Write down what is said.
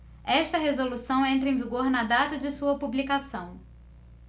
esta resolução entra em vigor na data de sua publicação